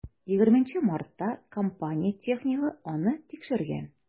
20 мартта компания технигы аны тикшергән.